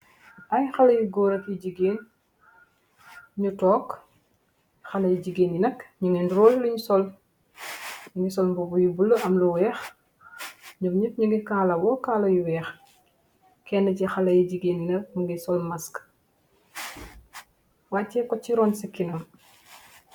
Ay haley yu góor rak yi jigéen ñu toog. haley jigéen yi nag ñu ngi ni roo lu sol. nu ngi mubu yu bul am lu weeh, ñom nup ñu ngi kaala wu kaala yu weeh. Kenn ci Haley jigéen nag mungi sol mask waccee ko ci ron sakinam.